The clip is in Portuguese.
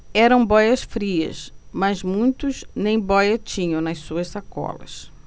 eram bóias-frias mas muitos nem bóia tinham nas suas sacolas